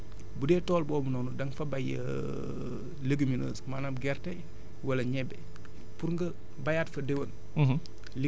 léegi bu dee tool boobu noonu da nga fa bay légumineuse maanaam gerte wala ñebe pour nga bayaat fa déwén